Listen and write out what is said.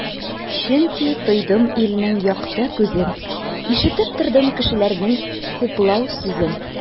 Чөнки тойдым илнең якты күзен, ишетеп тордым кешеләрнең хуплау сүзен.